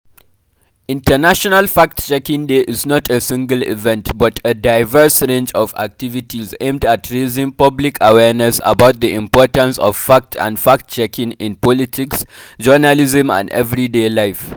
International Fact-Checking Day is not a single event, but a diverse range of activities aimed at raising public awareness about the importance of facts — and fact-checking — in politics, journalism, and everyday life.